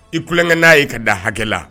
I tulonkɛ n'a ye ka dan hakɛ la